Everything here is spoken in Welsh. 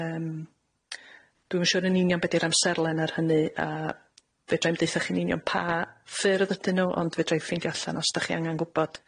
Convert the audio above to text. Yym. Dwi'm siŵr yn union be' 'di'r amserlen ar hynny, a fedra i'm deuthoch yn union pa ffyrdd ydyn nhw, ond fedra i ffeindio allan os dach chi angan gwbod.